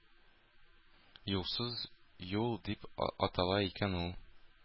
«юлсыз юл» дип атала икән ул.